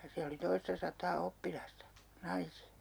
ja siellä oli toista sataa oppilasta naisia